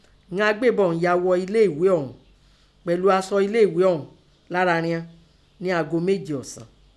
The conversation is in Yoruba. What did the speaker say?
Ìnan agbébọn ọ̀ún ya ghọ eléèghé ọ̀ún pẹ̀lú asọ eléèghé ọ̀ún lára rinọn nẹ́ aago méjì ọ̀sán.